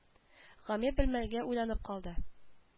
Гамир бер мәлгә уйланып калды